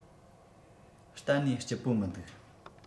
གཏན ནས སྐྱིད པོ མི འདུག